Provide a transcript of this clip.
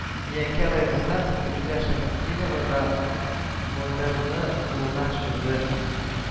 Миякә районыннан Заһидә Шәмсетдинова да модемны кулына төшерде